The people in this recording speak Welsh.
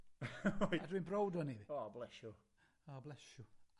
O reit dwi'n browd o hynny. O bless you. Ah bless you.